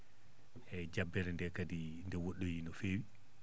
eeyi jabbere nde kadi nde waɗɗoyi no feewi